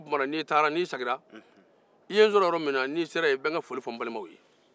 i segintɔ i ye n sɔrɔ yɔrɔ min na i be ka foli fɔ n balimaw ye